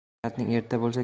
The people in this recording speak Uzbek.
harakating erta bo'lsa